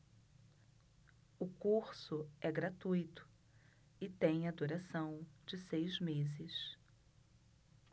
o curso é gratuito e tem a duração de seis meses